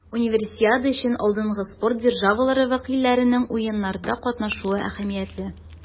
Универсиада өчен алдынгы спорт державалары вәкилләренең Уеннарда катнашуы әһәмиятле.